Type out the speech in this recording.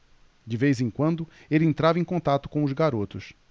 de vez em quando ele entrava em contato com os garotos